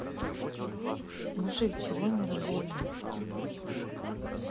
мужик чего не работает